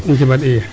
ndike fad i